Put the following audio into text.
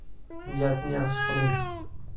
niyatni yaxshi qiling